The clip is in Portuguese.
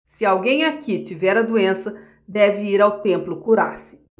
se alguém aqui tiver a doença deve vir ao templo curar-se